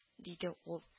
— диде ул